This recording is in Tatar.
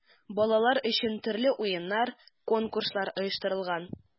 Балалар өчен төрле уеннар, конкурслар оештырылган.